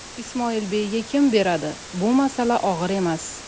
ismoilbeyga kim beradi bu masala og'ir emas